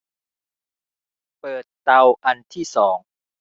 เปิดเตาอันที่สอง